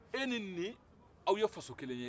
e ni nin aw ye faso kelen ye